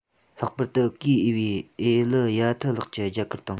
ལྷག པར དུ གུས འོས པའི ཨེ ལི ཡ ཐི ལགས ཀྱིས རྒྱ གར དང